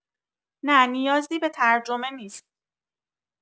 نه نیازی به ترجمه نیست